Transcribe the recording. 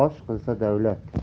osh qolsa davlat